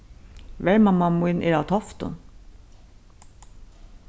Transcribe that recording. vermamma mín er av toftum